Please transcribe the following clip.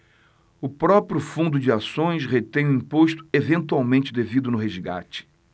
o próprio fundo de ações retém o imposto eventualmente devido no resgate